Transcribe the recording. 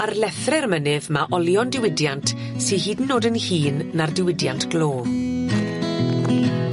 Ar lethre'r mynydd ma' olion diwydiant sy hyd yn o'd yn hŷn na'r diwydiant glo.